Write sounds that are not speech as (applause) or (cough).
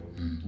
(hesitation) (hesitation)